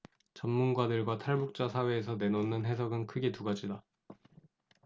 전문가들과 탈북자 사회에서 내놓는 해석은 크게 두 가지다